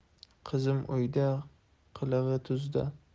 qizim uyda qilig'i tuzda